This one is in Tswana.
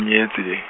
nyetse .